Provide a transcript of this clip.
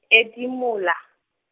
edimola.